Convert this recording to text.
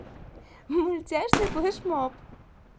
мультяшный флэшмоб